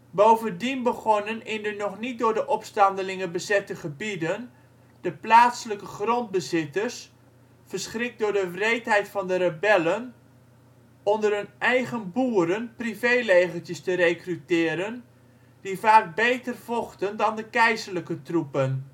Bovendien begonnen in de nog niet door de opstandelingen bezette gebieden de plaatselijke grondbezitters, verschrikt door de wreedheid van de rebellen, onder hun eigen boeren privé-legertjes te rekruteren, die vaak beter vochten dan de keizerlijke troepen